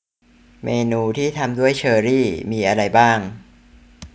เมนูที่ทำด้วยเชอร์รี่มีอะไรบ้าง